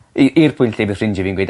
I i'r pwynt lle ma' ffrindie fi yn gweud...